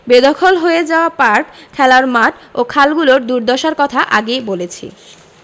বেদখল হয়ে যাওয়া পার্ক খেলার মাঠ ও খালগুলোর দুর্দশার কথা আগে বলেছি